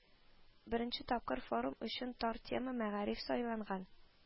Беренче тапкыр форум өчен тар тема – мәгариф сайланган